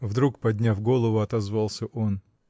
— вдруг подняв голову, отозвался он.